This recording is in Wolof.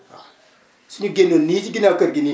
waaw suñu génnoon nii ci ginnaaw kër gi nii